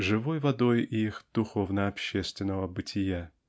живой водой их духовно-общественного бытия .